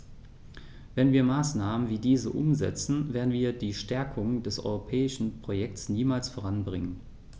Wenn wir Maßnahmen wie diese umsetzen, werden wir die Stärkung des europäischen Projekts niemals voranbringen.